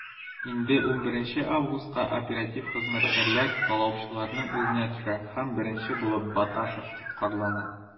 Инде 11 августка оператив хезмәткәрләр талаучыларның эзенә төшә һәм беренче булып Баташев тоткарлана.